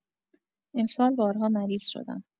امسال بارها مریض شدم.